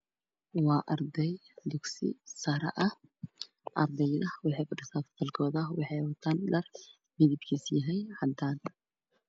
Waa arday dugsi sare ah ardayda waxay fadhiyaan fasalka waxay wataan dhar cadaan ka ah